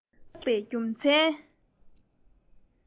མཁས པ ཆགས པའི རྒྱུ མཚན